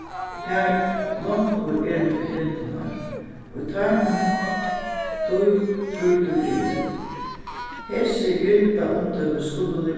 har longur er ímillum grindirnar í teimum tí trýtur grind hesir grindaumdømi skulu nú